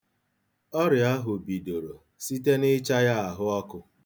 Ọrịa ahụ bidoro site n'ịcha ya ahụ ọkụ.